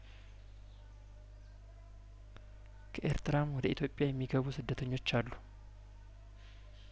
ከኤርትራ ወደ ኢትዮጵያ የሚገቡ ስደተኞች አሉ